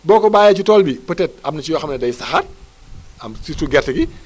boo ko bàyyee ci tool bi peut être am na ci yoo xam ne day saxaat am surtout gerte gi